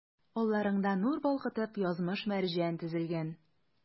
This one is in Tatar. Алларыңда, нур балкытып, язмыш-мәрҗән тезелгән.